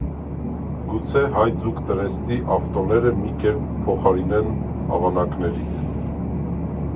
Գուցե Հայձուկտրեստի ավտոները մի կերպ փոխարինեն ավանակներին։